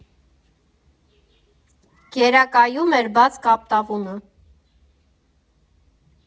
Գերակայում էր բաց կապտավունը։